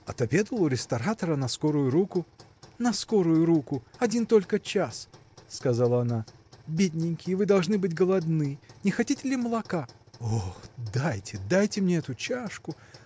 – Отобедал у ресторатора на скорую руку. – На скорую руку! один только час! – сказала она, – бедненькие! вы должны быть голодны. Не хотите ли молока? – О, дайте, дайте мне эту чашку.